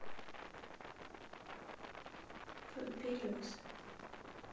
pompilius